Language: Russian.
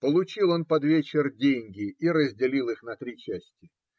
Получил он под вечер деньги и разделил их на три части